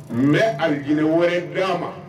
N bɛ aljana wɛrɛ d’a ma